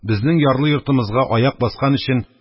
Безнең ярлы йортымызга аяк баскан өчен